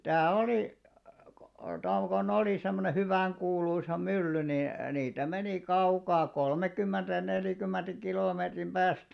sitä oli kun - kun oli semmoinen hyvän kuuluisa mylly niin niitä meni kaukaa kolmekymmentä ja neljäkymmentä kilometrin päästä